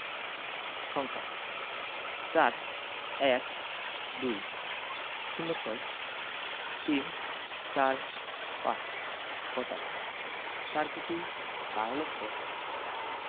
সংখ্যাঃ ৪ ১২ ০৬ ৩৪৫ কথায়ঃ চার কোটি বার লক্ষ